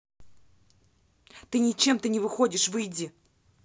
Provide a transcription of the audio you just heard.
ты ничем ты не выходишь выйди